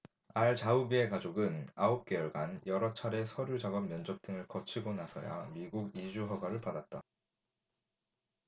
알 자우비의 가족은 아홉 개월간 여러 차례 서류작업 면접 등을 거치고 나서야 미국 이주 허가를 받았다